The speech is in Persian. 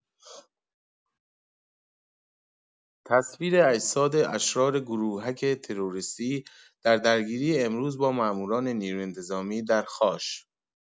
تصویر اجساد اشرار گروهک تروریستی در درگیری امروز با ماموران نیروی انتظامی در خاش